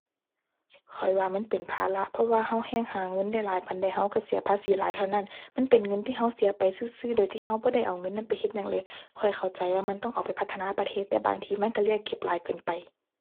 ข้อยว่ามันเป็นภาระเพราะว่าเราแฮ่งหาเงินได้หลายปานใดเราเราเสียภาษีหลายเท่านั้น มันเป็นเงินที่เราเสียไปซื่อซื่อโดยที่เราบ่ได้เอาเงินนั้นไปเฮ็ดหยังเลย ข้อยเข้าใจว่ามันต้องเอาไปพัฒนาประเทศแต่บางทีมันเราเรียกเก็บหลายเกินไป